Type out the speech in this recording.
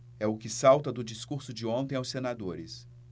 é o que salta do discurso de ontem aos senadores